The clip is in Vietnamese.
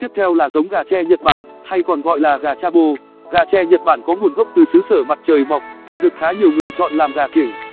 tiếp theo là giống gà tre nhật bản hay còn gọi là gà chabo gà tre nhật bản có nguồn gốc từ xứ sở mặt trời mọc và được khá nhiều người chọn làm gà kiểng